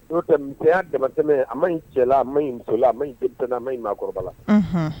Ya damatɛmɛ a ma cɛlala a ma musola a mana a ma maakɔrɔba la